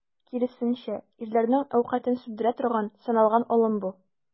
Киресенчә, ирләрнең әүкатен сүндерә торган, сыналган алым бу.